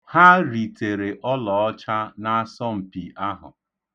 Ha ritere ọlọọcha n'asọmpi ahụ.